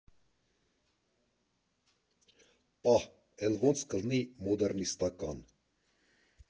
֊ Պահ, էլ ո՞նց կլինի, մոդեռնիստական։